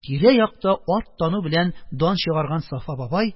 Тирә-якта ат тану белән дан чыгарган Сафа бабай: